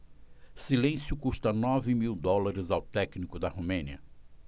silêncio custa nove mil dólares ao técnico da romênia